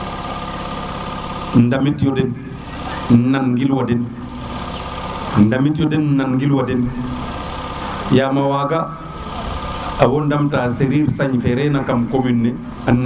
ndamit yo den na gil wa den ndamit yo den na gil wa den yama waga o wo ndam ta Serir Sagne fe ref na kam commune ne